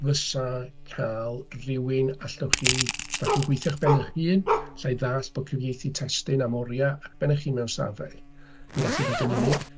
Fysa cael rywun allwch chi... Os dach chi'n gweithio ar ben eich hun, alla i ddallt bod cyfieithu testun am oriau ar ben eich hun mewn stafell yn gallu bod yn unig.